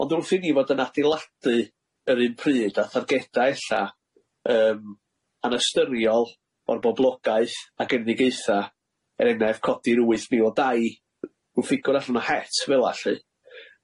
ond wrth i ni fod yn adeiladu yr un pryd a thargeda ella yym anastyriol o'r boblogaeth ag unigaetha er enghraifft codi'r wyth mil o dai rw ffigwr allan o het fela lly.